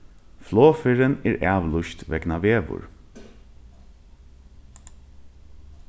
flogferðin er avlýst vegna veður